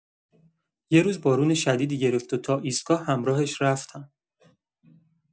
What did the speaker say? یه روز بارون شدیدی گرفت و تا ایستگاه همراهش رفتم.